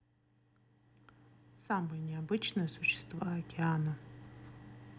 самые необычные существа океана